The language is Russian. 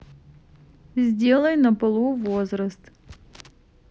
сделай на полу возраст